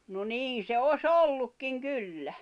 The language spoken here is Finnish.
no niin se olisi ollutkin kyllä